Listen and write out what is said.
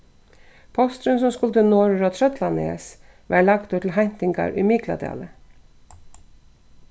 posturin sum skuldi norður á trøllanes varð lagdur til heintingar í mikladali